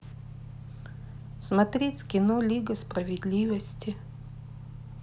смотреть кино лига справедливости